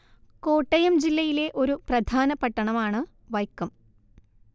കോട്ടയം ജില്ലയിലെ ഒരു പ്രധാന പട്ടണം ആണ് വൈക്കം